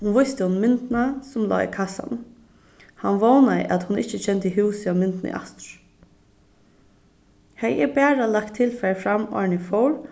hon vísti honum myndina sum lá í kassanum hann vónaði at hon ikki kendi húsið á myndini aftur hevði eg bara lagt tilfarið fram áðrenn eg fór